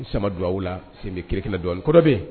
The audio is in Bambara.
Sama donwa a la sen bɛ kirikɛnɛ dɔɔnin kɔrɔbe